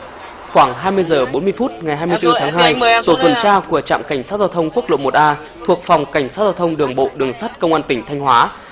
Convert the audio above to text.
khoảng hai mươi giờ bốn mươi phút ngày hai mươi tư tháng hai tổ tuần tra của trạm cảnh sát giao thông quốc lộ một a thuộc phòng cảnh sát giao thông đường bộ đường sắt công an tỉnh thanh hóa